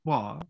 What?